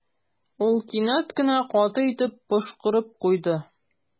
Ул кинәт кенә каты итеп пошкырып куйды.